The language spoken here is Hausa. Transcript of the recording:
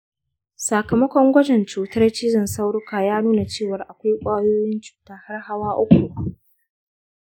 sakamakon gwajin cutar cizon saurorka ya nuna cewa akwai ƙwayoyin cuta har hawa uku.